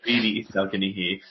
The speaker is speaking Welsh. rili isel genni hi